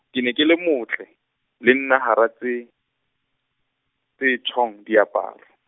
ke ne ke le motle, le nna hara tse, tse tjhong diaparo.